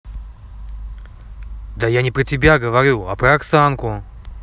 да я не про тебя говорю а про оксанку